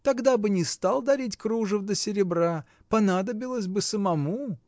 Тогда бы не стал дарить кружев да серебра: понадобилось бы самому.